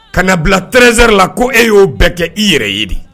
Ka na bila 13 heures la ko e y'o bɛɛ kɛ i yɛrɛ ye.